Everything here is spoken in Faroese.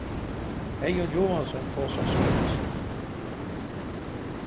eyðun joensen tosar svenskt